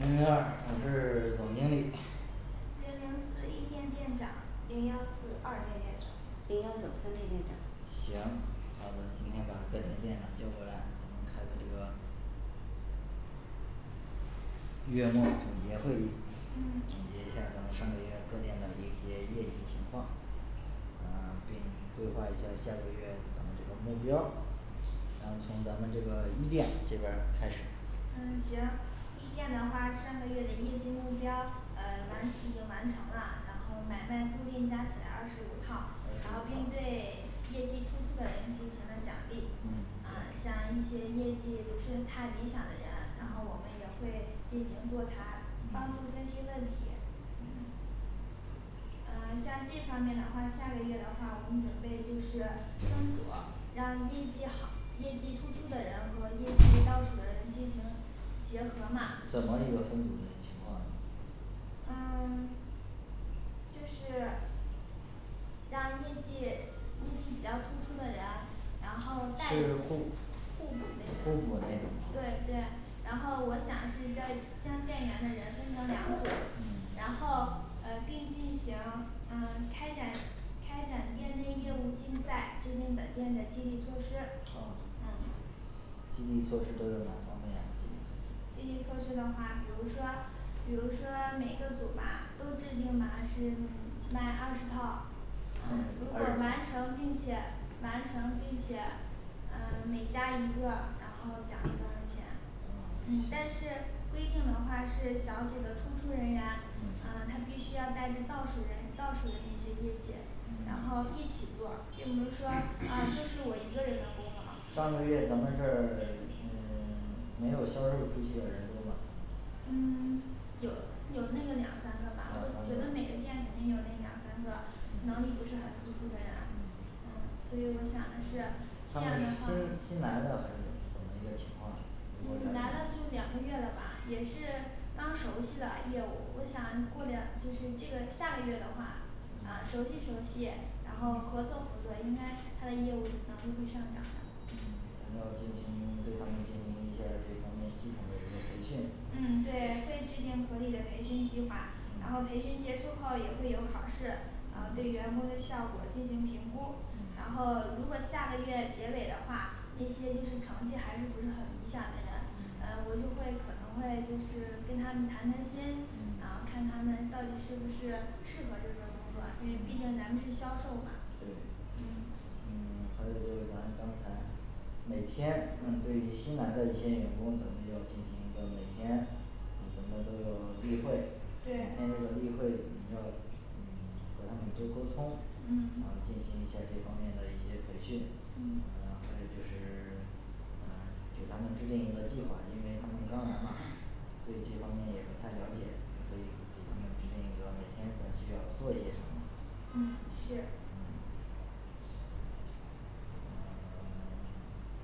零零二我是 总经理零零四一店店长零幺四二店店长零幺九三店店长行好的今天把各店长叫过来咱们开个这个月末总结会议嗯总结一下儿咱们上个月各店的一些业绩情况嗯 并规划一下儿下个月咱们这个目标儿咱们从咱们这个一店这边儿开始嗯行一店的话上个月的业绩目标呃完已经完成啦，然后买卖租赁加起来二十五套二十五，然后并套对 业绩突出的人进行了奖励，嗯啊像一些业绩不是太理想的人，然后我们也嗯会进行座谈，帮助分析问题嗯嗯像这方面的话下个月的话，我们准备就是分组，让业绩好业绩突出的人和业绩倒数的人进行结合嘛怎么一个分组进行情况嗯 就是让业绩突出比较突出的人，然后带是着个互互互补补类型那种对对，然后我想是在将店源的人分成两组，嗯然后呃并进行嗯 开展开展店内业务竞赛，制定本店的激励措施啊 嗯激励措施都有哪方面激励激励措施的话，比如说比如说每个组吧都制定满是卖二十套嗯嗯如果二完成并且完成并且嗯 每加一个然后奖励多少钱嗯但是规定的话是小组的突出人员，嗯他必须要带着倒数人倒数的那些业绩然后一起做，并不是说啊这是我一个人的功啊行嗯嗯劳，上个月咱们这儿 嗯 没有销售出去的人多吗嗯 有有那个两三个两吧，三我觉个得每嗯个店肯定有那两三个能力不是很突出的人嗯所以我想的是这他样们的这话是新新来的还是怎怎么一个情况呢嗯你来了了解就两个月了吧，也是刚熟悉的业务，我想过两就是这个下个月的话啊熟悉熟悉，然后合作合作应该他的业务能力会上涨的嗯要进行对他们进行一下儿这方面系统的一个培训嗯对，会制定合理的培训计划，然后培训结束后也会有考试啊对员工的嗯效果进行评估，然嗯后如果下个月结尾的话，那些就是成绩还是不是很理想的人，嗯嗯我就会可能会就是跟他们谈谈心，然后嗯看他们到底是不是适合这份儿工作，因为毕竟咱们是销售嘛对嗯嗯 还有就是咱刚才每天那么对于新来的一些员工，可能就要进行一个每天咱们都有例会，每对天这个例会你要嗯 和他们多沟通，啊进行一下儿这方面的一些培训。嗯啊进行一下儿这方面的一些培训。嗯嗯还有就是 嗯给他们制定一个计划，因为他们刚来嘛对这方面也不太了解，可以给他们制定一个每天咱需要做些什么嗯是嗯嗯